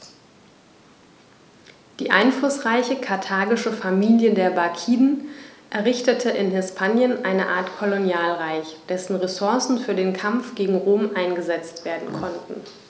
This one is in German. Die einflussreiche karthagische Familie der Barkiden errichtete in Hispanien eine Art Kolonialreich, dessen Ressourcen für den Kampf gegen Rom eingesetzt werden konnten.